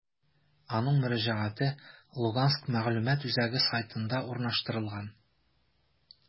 Аның мөрәҗәгате «Луганск мәгълүмат үзәге» сайтында урнаштырылган.